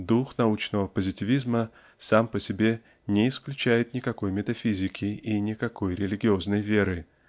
Дух научного позитивизма сам по себе не исключает никакой метафизики и никакой религиозной веры